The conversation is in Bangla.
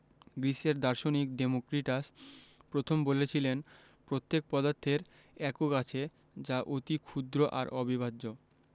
গ্রিসের দার্শনিক ডেমোক্রিটাস প্রথম বলেছিলেন প্রত্যেক পদার্থের একক আছে যা অতি ক্ষুদ্র আর অবিভাজ্য